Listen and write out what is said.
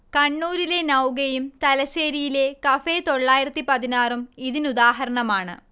കണ്ണൂരിലെ നൗകയും തലശ്ശേരിയിലെ കഫേ തൊള്ളായിരത്തി പതിനാറും ഇതിനുദാഹരണമാണ്